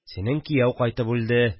Синең кияү – кайтып үлде